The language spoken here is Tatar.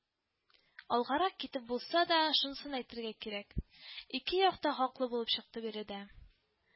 Алгарак китеп булса да, шунысын әйтергә кирәк: ике як та хаклы булып чыкты биредә